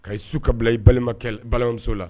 Ka i su ka bila i balimakɛ i balimaso la!